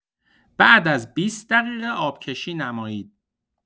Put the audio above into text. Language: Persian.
بعد از ۲۰ دقیقه آب‌کشی نمایید.